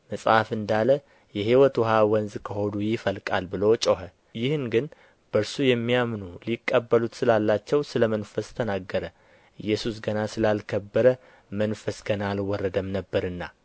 መጽሐፍ እንዳለ የሕይወት ውኃ ወንዝ ከሆዱ ይፈልቃል ብሎ ጮኸ ይህን ግን በእርሱ የሚያምኑ ሊቀበሉት ስላላቸው ስለ መንፈስ ተናገረ ኢየሱስ ገና ስላልከበረ መንፈስ ገና አልወረደም ነበርና